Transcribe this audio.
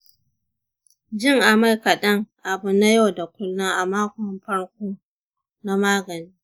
jin amai kaɗan abu ne na yau da kullum a makon farko na magani.